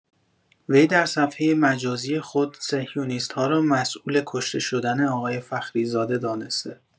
وی در صفحه مجازی خود «صهیونیست‌ها» را مسئول کشته شدن آقای فخری زاده دانسته